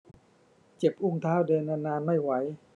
เจ็บอุ้งเท้าเดินนานนานไม่ไหว